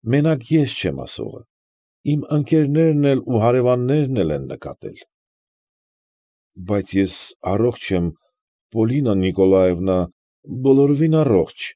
Մենակ ես չեմ ասողը, իմ երեխաներն էլ ու հարևաններն էլ նկատել են։ ֊ Բայց ես առողջ եմ, Պոլինա Նիկոլաևնա, բոլորովին առողջ։